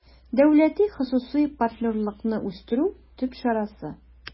«дәүләти-хосусый партнерлыкны үстерү» төп чарасы